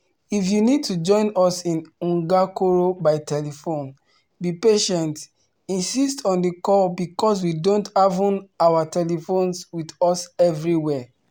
“If you need to join us in Ngakoro by telephone, be patient, insist on the call because we don't haven our telephones with us everywhere.